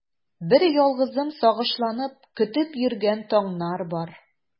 Берьялгызым сагышланып көтеп йөргән таңнар бар.